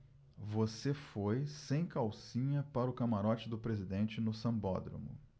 você foi sem calcinha para o camarote do presidente no sambódromo